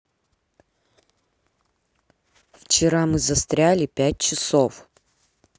вчера мы застряли пять часов